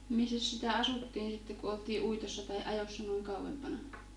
missäs sitä asuttiin sitten kun oltiin uitossa tai ajossa noin kauempana